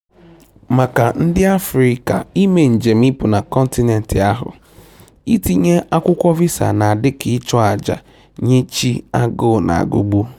Maka ndị Afrịka ime njem ịpụ na kọntinent ahụ, itinye akwụkwọ maka visa na-adị ka ịchụ àjà nye chi agụ na-agụgbụ.